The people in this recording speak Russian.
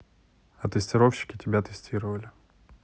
а тестировщики тебя тестировали